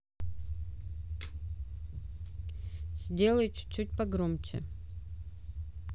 сделай чуть чуть погромче